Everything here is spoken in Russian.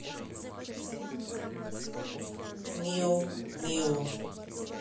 миу миу